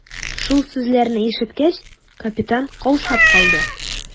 Шул сүзләрне ишеткәч, капитан каушап калды.